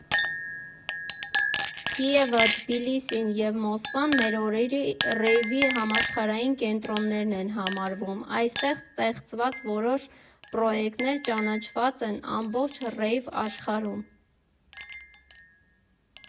Կիևը, Թբիլիսին և Մոսկվան մեր օրերի ռեյվի համաշխարհային կենտրոններ են համարվում, այստեղ ստեղծված որոշ պրոյեկտներ ճանաչված են ամբողջ ռեյվ֊աշխարհում։